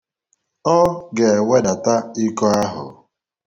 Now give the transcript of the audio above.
Ọ ga-ewedata iko ahụ.